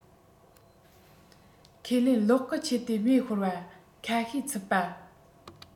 ཁས ལེན གློག སྐུད ཆད དེ མེ ཤོར བ ཁ ཤས ཚུད པ